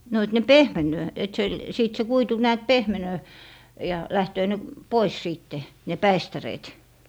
no että ne pehmenee että se sitten se kuitu näet pehmenee ja lähtee ne pois sitten ne päistäreet